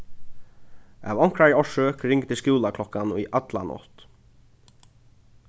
av onkrari orsøk ringdi skúlaklokkan í alla nátt